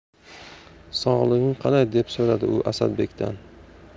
sog'lig'ing qalay deb so'radi u asadbekdan